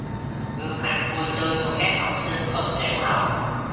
gương mặt vui tươi của các học sinh bậc tiểu học